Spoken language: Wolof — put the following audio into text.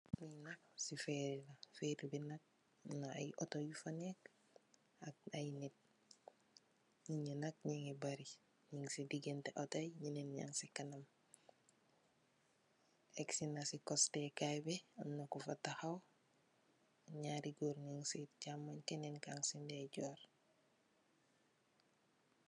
Lii nak cii ferry la, ferry bii nak amna aiiy autor yufa nekue ak aiiy nitt, nitt njee nak njungy bari, njung cii diganteh autor yii njenen yan cii kanam, eksi na cii costeh kaii bii, amna kufa takhaw, njaari gorre nung cii chaamongh kenen kaan cii ndeyjorr.